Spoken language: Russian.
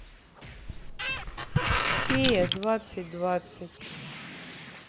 фея двадцать двадцать